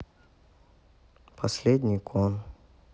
последний кон